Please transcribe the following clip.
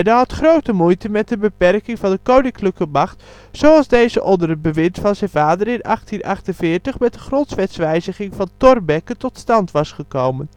had grote moeite met de beperking van de koninklijke macht zoals deze onder het bewind van zijn vader in 1848 met de grondwetswijziging van Thorbecke tot stand was gekomen